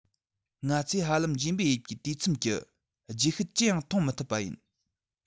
ང ཚོས ཧ ལམ འཕྱེ འབུའི དབྱིབས ཀྱི དུས མཚམས ཀྱི རྗེས ཤུལ ཅི ཡང མཐོང མི ཐུབ པ ཡིན